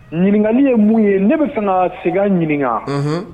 Ɲininkali ye mun ye ne bɛ segin ɲininka